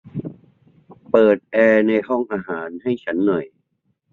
เปิดแอร์ในห้องอาหารให้ฉันหน่อย